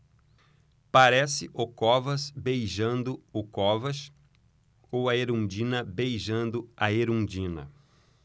parece o covas beijando o covas ou a erundina beijando a erundina